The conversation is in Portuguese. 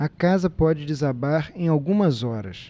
a casa pode desabar em algumas horas